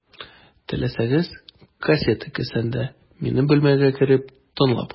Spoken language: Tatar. Теләсәгез, кассета кесәдә, минем бүлмәгә кереп, тыңлап карыйк.